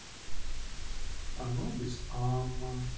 анубис амма